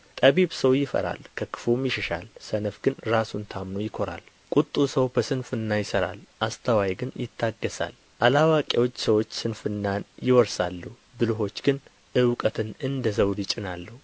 ጠቢብ ሰው ይፈራል ከክፉም ይሸሻል ሰነፍ ግን ራሱን ታምኖ ይኰራል ቍጡ ሰው በስንፍና ይሠራል አስተዋይ ግን ይታገሣል አላዋቂዎች ሰዎች ስንፍናን ይወርሳሉ ብልሆች ግን እውቀትን እንደ ዘውድ ይጭናሉ